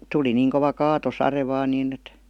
tuli niin kova kaatosade vain niin että